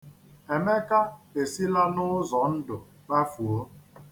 Emeka esila n'ụzọ ndụ kpafuo.